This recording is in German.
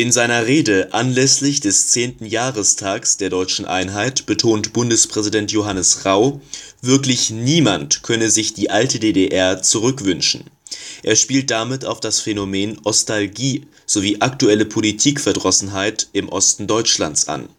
seiner Rede anlässlich des 10. Jahrestags der Deutschen Einheit betont Bundespräsident Johannes Rau, „ wirklich niemand “könne sich „ die alte DDR zurückwünschen “. Er spielt damit auf das Phänomen Ostalgie sowie aktuelle Politikverdrossenheit im Osten Deutschlands an